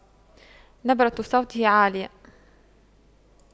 نبرة صوته عالية